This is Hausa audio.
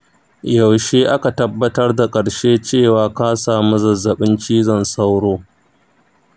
yaushe aka tabbatar da karshe cewa ka kamu da zazzabin cizon sauro?